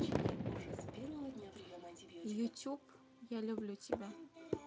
ютуб я тебя люблю